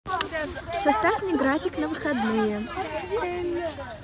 составь мне график на выходные